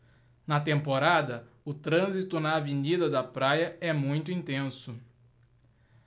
na temporada o trânsito na avenida da praia é muito intenso